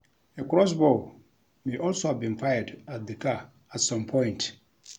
A crossbow may also have been fired at the car at some point.